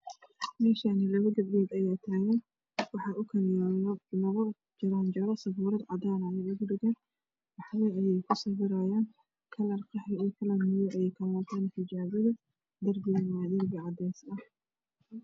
Meeshaani labo gabdhood ayaa taagan waxaa u yaalo labo jaranjaro sabuurad cadaan ayaa ku dhagan wax ayey ku sawirayaan kalarka qaxwi iyo madow ayey wataan xijaabaha darbigana waa cadays